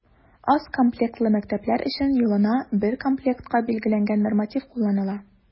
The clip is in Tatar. Аз комплектлы мәктәпләр өчен елына бер комплектка билгеләнгән норматив кулланыла.